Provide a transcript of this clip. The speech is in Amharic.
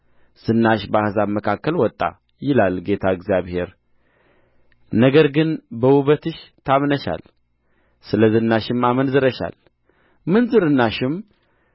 ዝናሽ በአሕዛብ መካከል ወጣ ይላል ጌታ እግዚአብሔር ነገር ግን በውበትሽ ታምነሻል ስለ ዝናሽም አመንዝረሻል ምንዝርናሽንም